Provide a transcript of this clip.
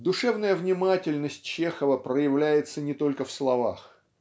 Душевная внимательность Чехова проявляется не только в словах